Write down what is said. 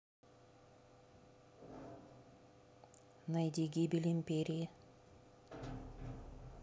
найди гибель империи